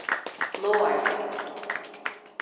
láarvegur